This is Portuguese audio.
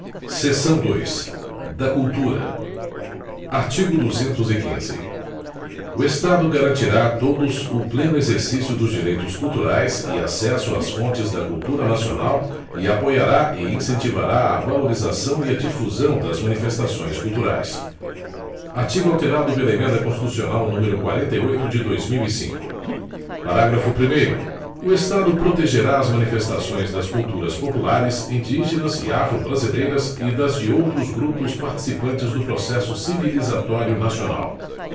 seção dois da cultura artigo duzentos e quinze o estado garantirá a todos o pleno exercício dos direitos culturais e acesso às fontes da cultura nacional e apoiará e incentivará a valorização e a difusão das manifestações culturais artigo alterado pela emenda constitucional número quarenta e oito de dois mil e cinco parágrafo primeiro o estado protegerá as manifestações das culturas populares indígenas e afro brasileiras e das de outros grupos participantes do processo civilizatório nacional